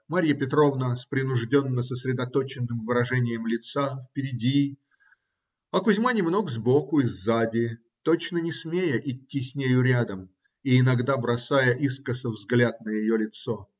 Марья Петровна с принужденно-сосредоточенным выражением лица впереди, а Кузьма немного сбоку и сзади, точно не смея идти с нею рядом и иногда бросая искоса взгляд на ее лицо.